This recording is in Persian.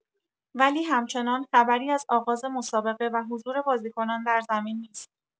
ولی همچنان خبری از آغاز مسابقه و حضور بازیکنان در زمین نیست